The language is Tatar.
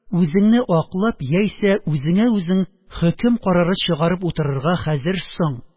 Үзеңне аклап яисә үзеңә үзең хөкем карары чыгарып утырырга хәзер соң